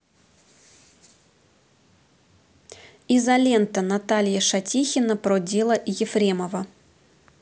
изолента наталья шатихина про дело ефремова